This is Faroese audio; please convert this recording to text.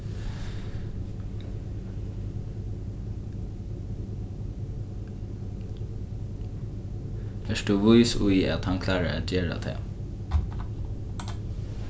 ert tú vís í at hann klárar at gera tað